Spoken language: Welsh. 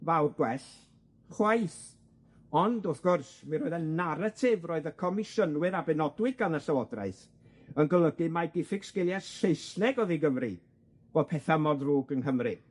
fawr gwell, chwaith, ond wrth gwrs mi roedd y naratif roedd y comisiynwyr a benodwyd gan y Llywodraeth yn golygu mai diffyg sgiliau Saesneg o'dd i gyfri, bo' petha mor ddrwg yng Nghymru.